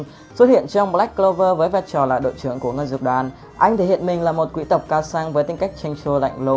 xuất hiện trong black clover với vai trò là đội trưởng của ngân dực đoàn anh thể hiện mình là quý tộc cao sang với tính cách chanh chua lạnh lùng